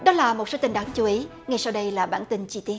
đó là một số tin đáng chú ý ngay sau đây là bản tin chi tiết